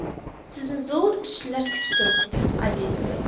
sizni zo'r ishlar kutib turibdi azizim